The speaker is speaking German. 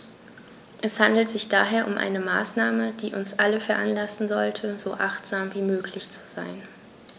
Es handelt sich daher um eine Maßnahme, die uns alle veranlassen sollte, so achtsam wie möglich zu sein.